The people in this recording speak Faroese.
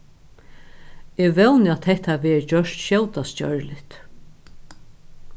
eg vóni at hetta verður gjørt skjótast gjørligt